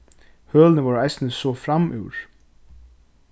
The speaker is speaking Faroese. hølini vóru eisini so framúr